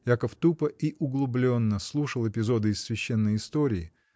Яков тупо и углубленно слушал эпизоды из священной истории